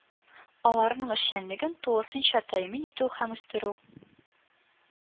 Аларның эшчәнлеген тулысынча тәэмин итү һәм үстерү